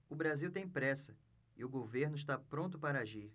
o brasil tem pressa e o governo está pronto para agir